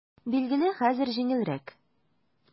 Билгеле, хәзер җиңелрәк.